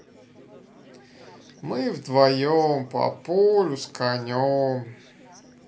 мы вдвоем по полю с конем